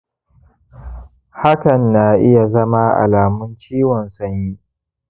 hakan na iya zama alamun ciwon sanyi.